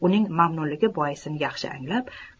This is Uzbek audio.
uning mamnunligi boisini yaxshi anglab